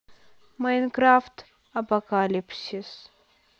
майнкрафт апокалипсис